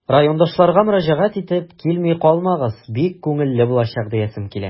Райондашларга мөрәҗәгать итеп, килми калмагыз, бик күңелле булачак диясем килә.